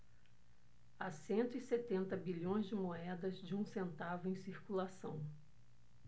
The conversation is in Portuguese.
há cento e setenta bilhões de moedas de um centavo em circulação